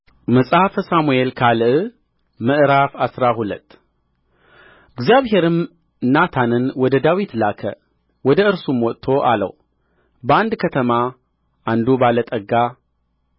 መጽሐፈ ሳሙኤል ካል ምዕራፍ አስራ ሁለት እግዚአብሔርም ናታንን ወደ ዳዊት ላከ ወደ እርሱም መጥቶ አለው በአንድ ከተማ አንዱ ባለጠጋ